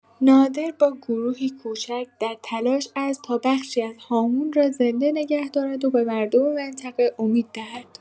نادر با گروهی کوچک در تلاش است تا بخشی ازهامون را زنده نگه دارد و به مردم منطقه امید دهد.